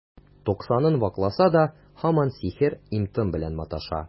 Туксанын вакласа да, һаман сихер, им-том белән маташа.